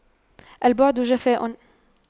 البعد جفاء